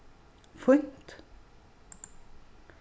fínt